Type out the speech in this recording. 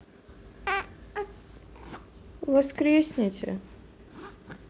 воскресите